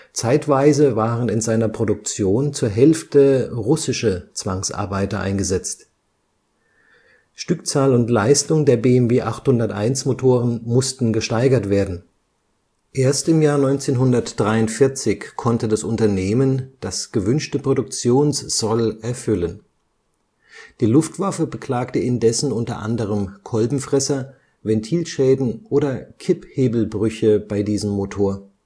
Zeitweise waren in seiner Produktion zur Hälfte russische Zwangsarbeiter eingesetzt. Stückzahl und Leistung der BMW-801-Motoren mussten gesteigert werden. Erst im Jahr 1943 konnte das Unternehmen das gewünschte Produktionssoll erfüllen. Die Luftwaffe beklagte indessen unter anderem Kolbenfresser, Ventilschäden oder Kipphebelbrüche bei diesem Motor